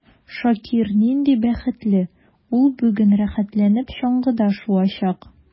Шакир нинди бәхетле: ул бүген рәхәтләнеп чаңгыда шуачак.